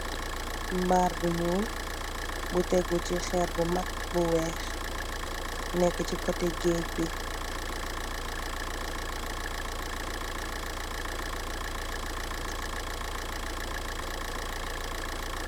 Mbal bu nuul bu tekku ci xerr mu mag weex, neka ci koti geeji bi.